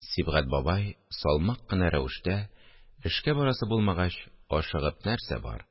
Сибгать бабай салмак кына рәвештә: – Эшкә барасы булмагач, ашыгып нәрсә бар